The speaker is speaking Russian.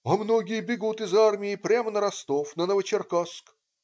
- "А многие бегут из армии, прямо на Ростов, на Новочеркасск".